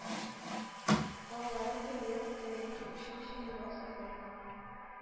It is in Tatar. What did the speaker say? Балалары көллият яки училище юлын сайлый.